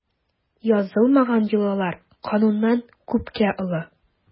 Язылмаган йолалар кануннан күпкә олы.